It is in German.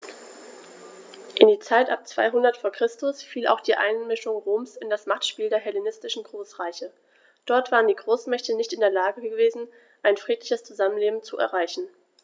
In die Zeit ab 200 v. Chr. fiel auch die Einmischung Roms in das Machtspiel der hellenistischen Großreiche: Dort waren die Großmächte nicht in der Lage gewesen, ein friedliches Zusammenleben zu erreichen.